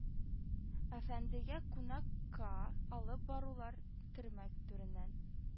Әфәндегә «кунак»ка алып барулар – төрмә түреннән», –